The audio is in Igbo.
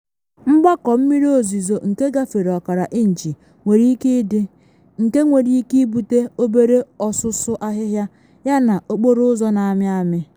Mgbakọ mmiri ozizo nke gafere ọkara inchi nwere ike ịdị, nke nwere ike ibute obere ọsụsọ ahịhịa yana okporo ụzọ na amị amị.